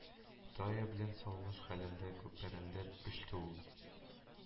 Тае белән салмыш хәлендә күпердән очты ул